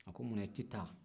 a ko muna i tɛ taa